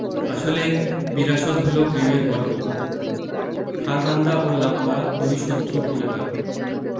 আসলে বিরাসত হল প্রেমের গল্প খারবান্দা ও লাম্বা দুই শত্রু পরিবার